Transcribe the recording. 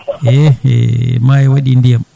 hehe maayo waɗi ndiyam